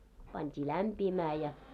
pantiin lämpiämään ja